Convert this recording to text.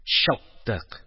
Чаптык